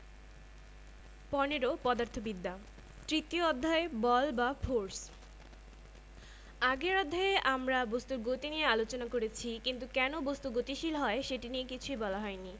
এবং স্থির থাকতে চাইছে তাই শরীরের ওপরের অংশ পেছনের দিকে ঝাঁকুনি খাচ্ছে যেহেতু এটা স্থির থাকার জড়তা তাই এটাকে বলে স্থিতি জড়তা